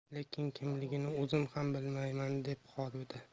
lekin kimligini o'zim ham bilmayman deb qoldi